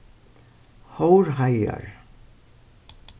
hórheiðar